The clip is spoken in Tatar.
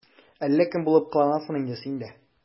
Әллә кем булып кыланасың инде син дә...